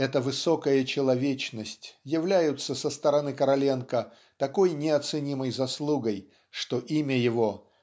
эта высокая человечность являются со стороны Короленко такой неоценимой заслугой что имя его